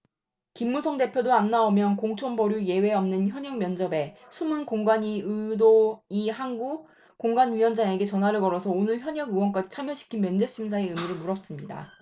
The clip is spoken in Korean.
김무성 대표도 안 나오면 공천 보류 예외 없는 현역 면접에 숨은 공관위 의도이한구 공관위원장에게 전화를 걸어서 오늘 현역 의원까지 참여시킨 면접심사의 의미를 물었습니다